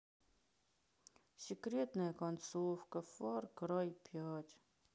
секретная концовка фар край пять